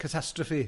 Catastrophe.